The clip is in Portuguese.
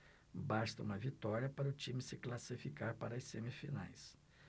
basta uma vitória para o time se classificar para as semifinais